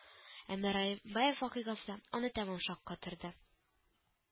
Әмма Раимбаев вакыйгасы аны тәмам шаккаттырды